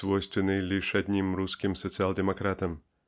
свойственной лишь одним русским социал-демократам.